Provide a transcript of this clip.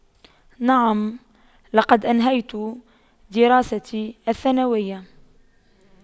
نعم لقد أنهيت دراستي الثانوية